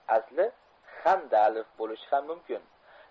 asli xandalov bo'lishi ham mumkin